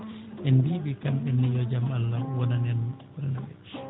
en mbiyii ɓe kamɓe ne yo jaam Allah wonan en wonana ɓe